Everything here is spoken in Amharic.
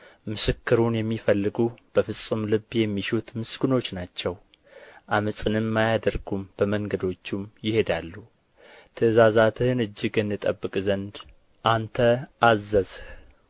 ምስክሩን የሚፈልጉ በፍጹም ልብ የሚሹት ምስጉኖች ናቸው ዓመፅንም አያደርጉም በመንገዶቹም ይሄዳሉ ትእዛዛትህን እጅግ እንጠብቅ ዘንድ አንተ አዘዝህ